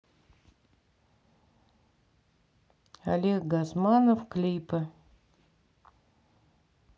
олег газманов клипы